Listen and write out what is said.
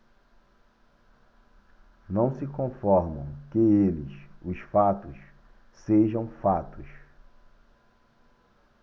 não se conformam que eles os fatos sejam fatos